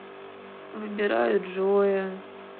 выбираю джоя